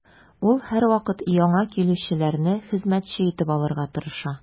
Ул һәрвакыт яңа килүчеләрне хезмәтче итеп алырга тырыша.